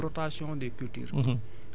pour rotation des cultures